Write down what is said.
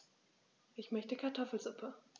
Ich möchte Kartoffelsuppe.